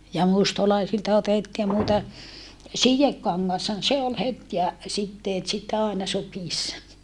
ja mustalaisilta otettiin noita sidekangashan se oli heti ja siteet sitten aina sukissa